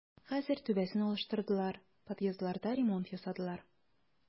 Хәзер түбәсен алыштырдылар, подъездларда ремонт ясадылар.